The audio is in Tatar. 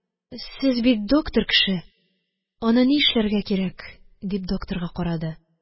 Сез бит доктор кеше, аны ни эшләргә кирәк? – дип, докторга карады